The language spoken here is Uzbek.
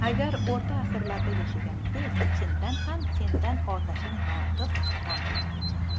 agar orta asrlarda yashaganingda edi chindan ham sendan otashin notiq chiqqan bolur edi